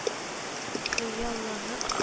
Хыялланып